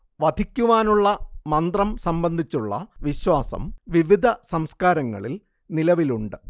വധിക്കുവാനുള്ള മന്ത്രം സംബന്ധിച്ചുള്ള വിശ്വാസം വിവിധ സംസ്കാരങ്ങളിൽ നിലവിലുണ്ട്